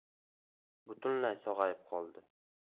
butunlay sog'ayib qoldi